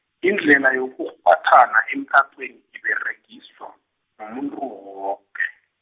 Indlhela yokukghwathana emtatweni iberegiswa, mumuntu woke.